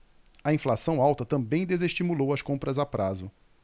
a inflação alta também desestimulou as compras a prazo